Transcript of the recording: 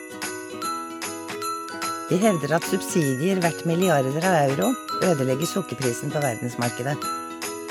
De hevder at subsidier verdt milliarder av euro ødelegger sukkerprisen på verdensmarkedet.